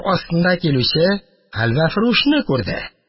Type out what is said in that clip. Астында килүче хәлвәфрүшне күрде.